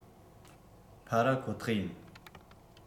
འཕར བ ཁོ ཐག ཡིན